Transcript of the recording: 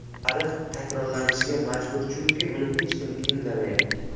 tarix takrorlanishga majbur chunki uni hech kim tinglamayapti